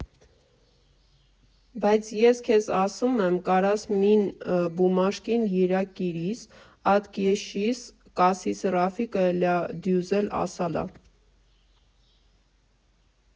Բայց ես քեզ ասումըմ, կարաս մին բումաժկին յիրա կիրիս, ատ կյեշիս կասիս Ռաֆիկը լյա դյուզ էլ ասալա.